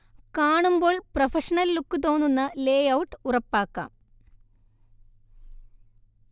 കാണുമ്പോൾ professional look തോന്നുന്ന layout ഉറപ്പാക്കാം